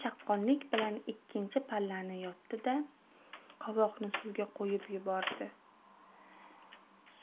u chaqqonlik bilan ikkinchi pallani yopdi da qovoqni suvga qo'yib yubordi